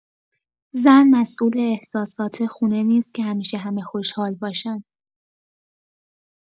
زن مسئول احساسات خونه نیست که همیشه همه خوشحال باشن.